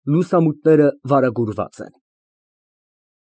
Լուսամուտները վարագուրված են։